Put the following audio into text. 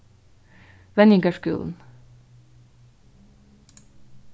venjingarskúlin